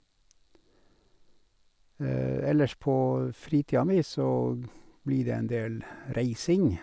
Ellers på fritida mi så blir det en del reising.